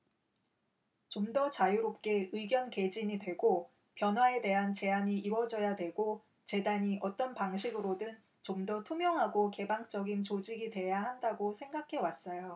좀더 자유롭게 의견 개진이 되고 변화에 대한 제안이 이뤄져야 되고 재단이 어떤 방식으로든 좀 더 투명하고 개방적인 조직이 돼야 한다고 생각해 왔어요